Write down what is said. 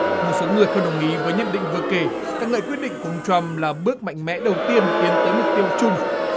một số người không đồng ý với nhận định vừa kể ca ngợi quyết định của ông troăm là bước mạnh mẽ đầu tiên tiến tới mục tiêu chung